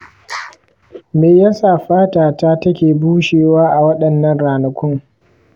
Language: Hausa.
me yasa fata ta take bushewa a waɗannan ranakun?